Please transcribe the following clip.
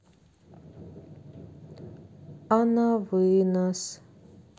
а на вынос